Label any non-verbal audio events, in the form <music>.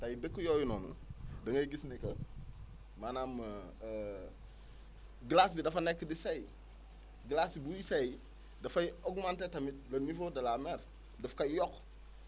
tey dëkk yooyu noonu da ngay gis ni que maanaam <hesitation> glace bi dafa nekk di seey glace bi buy seey dafay augmenter tamit le niveau de la mer daf koy yokk